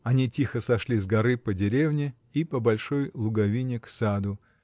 Они тихо сошли с горы по деревне и по большой луговине к саду.